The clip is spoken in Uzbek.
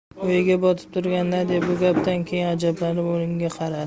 o'yga botib turgan nadya bu gapdan keyin ajablanib unga qaradi